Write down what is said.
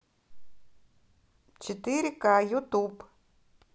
четыре к ютуб